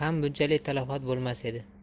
ham bunchalik talafot bo'lmas edi